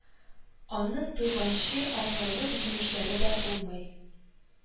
А н ы ң туйганчы ангарлык җимешләре дә булмый